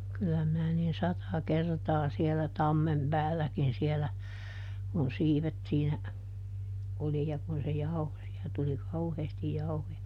kyllä minä niin sata kertaa siellä tammen päälläkin siellä kun siivet siinä oli ja kun se jauhoi siellä tuli kauheasti jauhoja